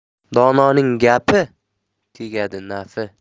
dononing gapi tegadi nafi